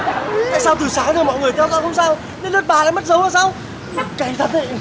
tại sao từ sáng đến giờ mọi người theo dõi không sao đến lượt bà lại mất dấu là sao ư cay thật đấy